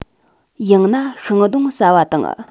ཡང ན ཤིང སྡོང ཟ བ དང